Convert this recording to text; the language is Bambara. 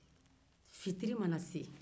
fitiri mana